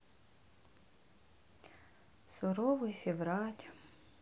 суровый февраль